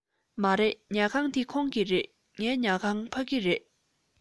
མ རེད ཉལ ཁང འདི ཁོང གི རེད ངའི ཉལ ཁང ཕ གི རེད